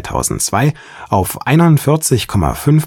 2002) auf 41,5